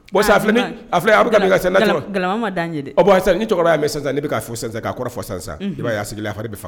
Bɔn bɛ ni cɛkɔrɔba yan bɛ ne bɛ fo san' a kɔrɔ san i y'a sigilen a fari